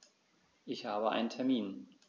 Ich habe einen Termin.